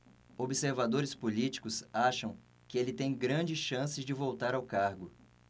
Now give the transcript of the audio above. observadores políticos acham que ele tem grandes chances de voltar ao cargo